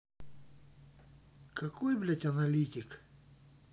какой блядь аналитик